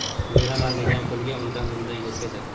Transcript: beraman degan quliga undan bundan yetkazar